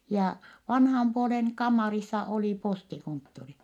ja vanhan puolen kammarissa oli postikonttori